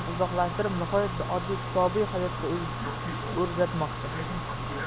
uzoqlashtirib nihoyatda oddiy kitobiy hayotga o'rgatmoqda